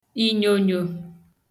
ìnyònyò